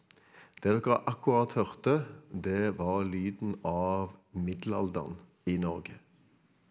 det dere akkurat hørte det var lyden av middelalderen i Norge.